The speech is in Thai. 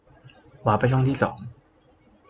วาปไปช่องที่สอง